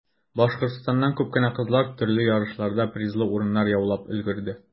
Башкортстаннан күп кенә кызлар төрле ярышларда призлы урыннар яулап өлгерде.